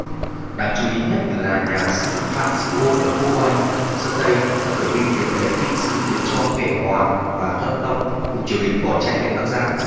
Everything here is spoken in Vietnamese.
đáng chú ý nhất là nhà sư phạm sư ôn ở quốc oai sơn tây đã khởi binh tiến đánh kinh sư khiến cho nghệ hoàng và thuận tông cùng triều đình bỏ chạy lên bắc giang